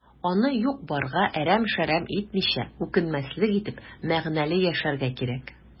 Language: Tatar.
Аны юк-барга әрәм-шәрәм итмичә, үкенмәслек итеп, мәгънәле яшәргә кирәк.